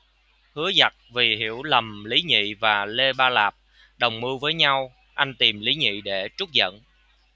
hứa dặc vì hiểu lầm lý nhị và lê ba lạp đồng mưu với nhau anh tìm lý nhị để trút giận